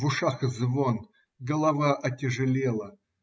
В ушах звон, голова отяжелела.